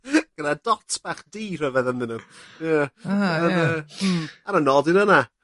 Gyda dots bach du rhyfedd ynddyn nhw. Ie. A ie . Ar y hmm ar y nodyn yna